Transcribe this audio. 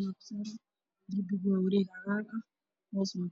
nin tendo